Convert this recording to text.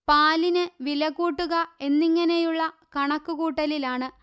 പാലിനു വില കൂട്ടുക എന്നിങ്ങനെയുള്ള കണക്കു കൂട്ടലിലാണ്